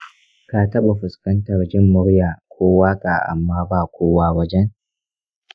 ka taɓa fuskantar jin murya ko waka amma ba kowa wajen?